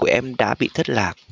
em đã bị thất lạc